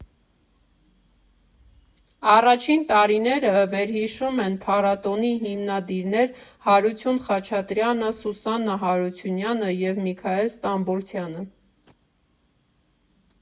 Առաջին տարիները վերհիշում են փառատոնի հիմնադիրներ Հարություն Խաչատրյանը, Սուսաննա Հարությունյանը և Միքայել Ստամբոլցյանը։